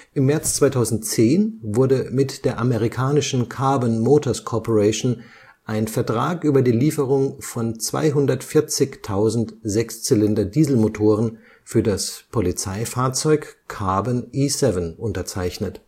Im März 2010 wurde mit der amerikanischen Carbon Motors Corp. ein Vertrag über die Lieferung von 240.000 6-Zylinder Dieselmotoren für das Polizeifahrzeug Carbon E7 unterzeichnet